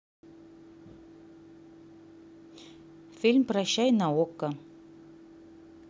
фильм прощай на окко